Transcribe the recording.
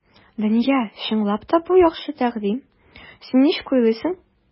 Дания, чынлап та, бу яхшы тәкъдим, син ничек уйлыйсың?